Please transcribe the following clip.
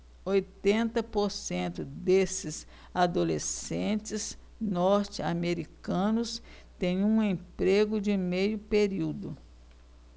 oitenta por cento desses adolescentes norte-americanos têm um emprego de meio período